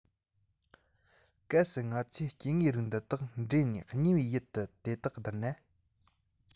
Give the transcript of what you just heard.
གལ སྲིད ང ཚོས སྐྱེ དངོས རིགས འདི དག འདྲེས ནས གནས པའི ཡུལ དུ དེ དག བསྡུར ན